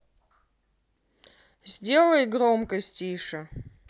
сделай громкость тише